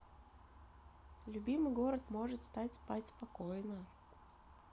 любимый город может стать спать спокойно